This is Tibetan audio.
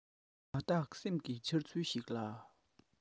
མ བརྟགས སེམས ཀྱི འཆར ཚུལ ཞིག ལ